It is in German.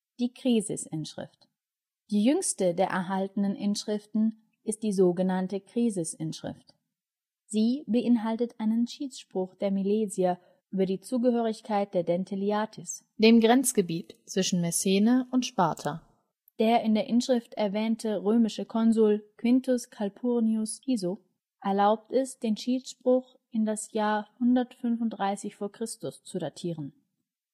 Die jüngste der erhaltenen Inschriften ist die so genannte Krisisinschrift. Sie beinhaltet einen Schiedsspruch der Milesier über die Zugehörigkeit der Dentheliatis, dem Grenzgebiet zwischen Messene und Sparta. Der in der Inschrift erwähnte römische Konsul Quintus Calpurnius Piso erlaubt es, den Schiedsspruch in das Jahr 135 v. Chr. zu datieren. Tacitus